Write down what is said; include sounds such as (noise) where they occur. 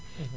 (hesitation) (hesitation)